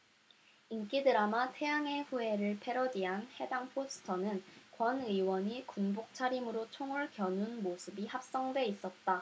인기 드라마 태양의 후예를 패러디한 해당 포스터는 권 의원이 군복 차림으로 총을 겨눈 모습이 합성돼 있었다